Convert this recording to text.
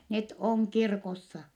ne on kirkossa